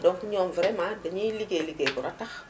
donc ñoom vraiment dañuy liggéey liggéey bu ratax